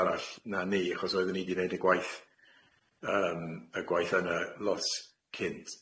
arall na ni achos oedden ni di neud y gwaith yym y gwaith yna lot cynt.